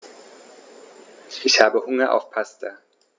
Ich habe Hunger auf Pasta.